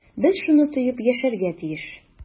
Без шуны тоеп яшәргә тиеш.